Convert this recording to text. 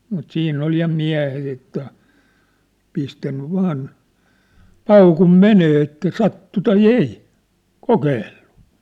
mutta siinä oli ja miehet että pistänyt vain paukun menemään että sattui tai ei kokeillut